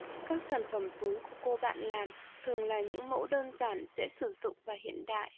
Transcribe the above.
các sản phẩm túi của cô bạn làm thường là những mẫu đơn giản dễ sử dụng và hiện đại